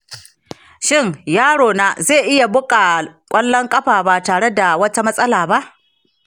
shin yarona zai iya buka ƙwallon ƙafa ba tare da wata matsala ba.